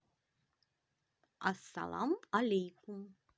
ассалам алейкум